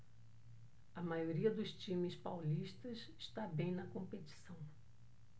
a maioria dos times paulistas está bem na competição